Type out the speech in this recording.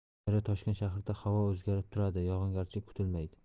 daryo toshkent shahrida havo o'zgarib turadi yog'ingarchilik kutilmaydi